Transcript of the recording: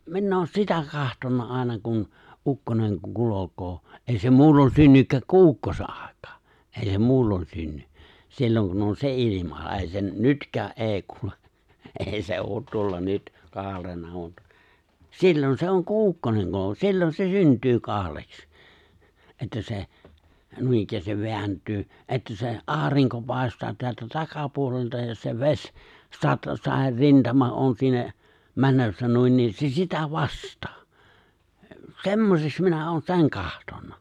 minä olen sitä katsonut aina kun ukkonen kulkee ei se muulloin synnykään kuin ukkosen aikaan ei se muulloin synny silloin kun on se ilma ei se nytkään ei kulje ei se ole tuolla nyt kaarena mutta silloin se on kun ukkonen on silloin se syntyy kaareksi että se noinikään vääntyy että se aurinko paistaa täältä takapuolelta ja se vesi - saderintama on siinä menossa niin niin se sitä vasten semmoiseksi minä olen sen katsonut